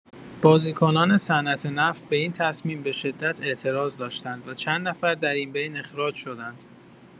بازیکنان صنعت‌نفت به این تصمیم به‌شدت اعتراض داشتند و چند نفر در این بین اخراج شدند